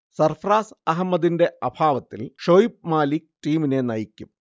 സർഫ്രാസ് അഹമ്മദിന്റെ അഭാവത്തിൽ ഷൊയ്ബ് മാലിക് ടീമിനെ നയിക്കും